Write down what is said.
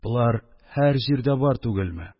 Болар һәр җирдә бар түгелме.